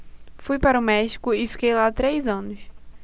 fui para o méxico e fiquei lá três anos